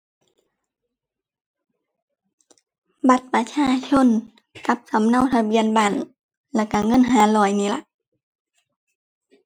บัตรประชาชนกับสำเนาทะเบียนบ้าน แล้วก็เงินห้าร้อยนี่ล่ะ